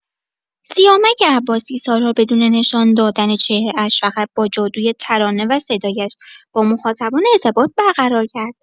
سیامک عباسی سال‌ها بدون نشان‌دادن چهره‌اش، فقط با جادوی ترانه و صدایش با مخاطبان ارتباط برقرار کرد.